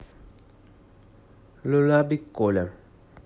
lullaby коля